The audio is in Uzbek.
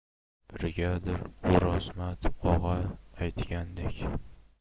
brigadir o'rozmat og'a aytgandek